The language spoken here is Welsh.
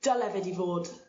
dyle fe 'di fod